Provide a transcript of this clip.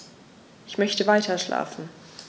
Ich möchte weiterschlafen.